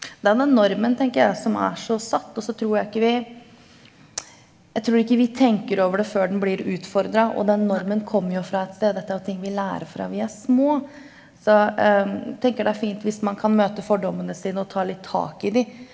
det er den normen tenker jeg som er så satt, og så tror jeg ikke vi jeg tror ikke vi tenker over det før den blir utfordra og den normen kom jo fra et sted, dette er jo ting vi lærer fra vi er små, så tenker det er fint hvis man kan møte fordommene sine og ta litt tak i de.